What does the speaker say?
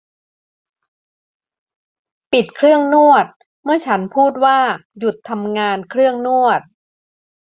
ปิดเครื่องนวดเมื่อฉันพูดว่าหยุดทำงานเครื่องนวด